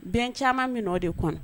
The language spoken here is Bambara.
Bɛn caman min' o de kɔnɔ